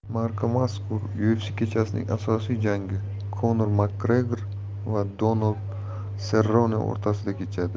marcamazkur ufc kechasining asosiy janggi konor makgregor va donald serrone o'rtasida kechadi